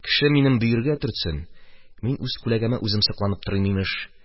Кеше минем бөергә төртсен, мин үз күләгәмә үзем сокланып торыйм, имеш.